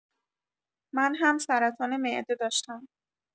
من هم سرطان معده داشتم